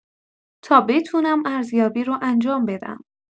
تا بتونم ارزیابی رو انجام بدم.